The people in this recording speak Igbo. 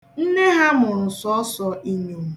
Nne ha mụrụ sọọsọ inyom.